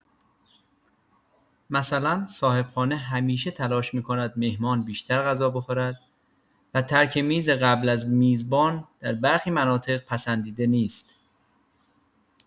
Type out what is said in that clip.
مثلا صاحب‌خانه همیشه تلاش می‌کند مهمان بیشتر غذا بخورد و ترک میز قبل از میزبان در برخی مناطق پسندیده نیست.